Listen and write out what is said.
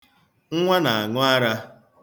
Nwa na-aṅụ ara.